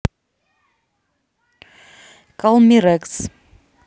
калмирекс